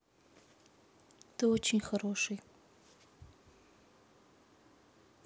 ты очень хороший